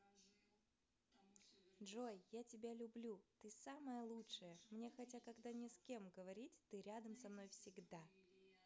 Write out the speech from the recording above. джой я тебя люблю ты самая лучшая мне хотя когда не с кем говорить ты рядом со мной всегда